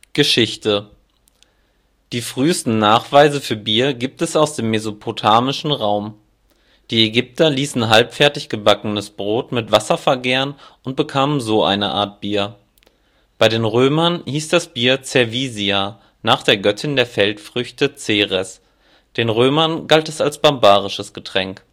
Geschichte des Bieres Die frühesten Nachweise für Bier gibt es aus dem mesopotamischen Raum. Die Ägypter ließen halbfertig gebackenes Brot mit Wasser vergären und bekamen so eine Art Bier. Bei den Römern hieß das Bier Cervisia, nach der Göttin der Feldfrüchte, Ceres. Den Römern galt es als barbarisches Getränk